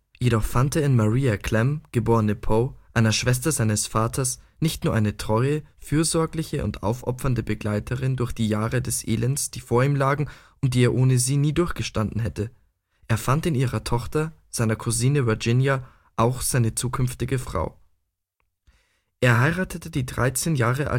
Jedoch fand er in Maria Clemm, geborener Poe, einer Schwester seines Vaters, nicht nur eine treue, fürsorgliche und aufopfernde Begleiterin durch Jahre des Elends, die vor ihm lagen und die er ohne sie nie durchgestanden hätte, er fand in ihrer Tochter, seiner Cousine Virginia, auch seine zukünftige Frau. Er heiratete die 13 Jahre